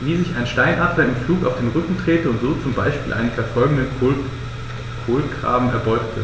wie sich ein Steinadler im Flug auf den Rücken drehte und so zum Beispiel einen verfolgenden Kolkraben erbeutete.